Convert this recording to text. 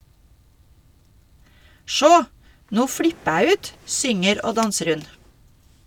- Sjå, no flippe æ ut, synger og danser hun.